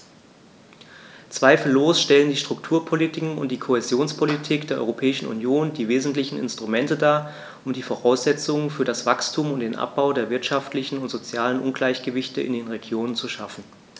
Zweifellos stellen die Strukturpolitiken und die Kohäsionspolitik der Europäischen Union die wesentlichen Instrumente dar, um die Voraussetzungen für das Wachstum und den Abbau der wirtschaftlichen und sozialen Ungleichgewichte in den Regionen zu schaffen.